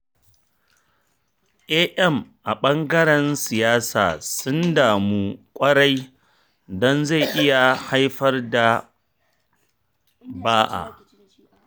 AM a ɓangaren siyasa sun damu ƙwarai don zai iya haifar da ba’a.